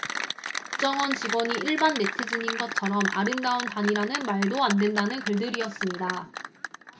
국정원 직원이 일반 네티즌인 것처럼 아름다운 단일화는 말도 안 된다는 글들이었습니다